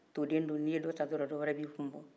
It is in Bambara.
to den donn n'i ye dɔ ta dɔrɔn dɔ wɛrɛ b'i kun bɔ